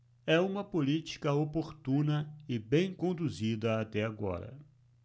é uma política oportuna e bem conduzida até agora